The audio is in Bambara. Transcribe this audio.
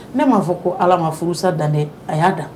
Ne b'a fɔ ko ala ma furusa dan a y'a dan